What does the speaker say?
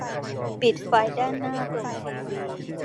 ปิดไฟด้านหน้าตรงทีวี